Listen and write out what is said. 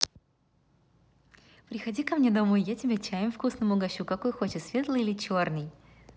приходи ко мне домой я тебя чаем вкусным угощу какой хочет светлый или черный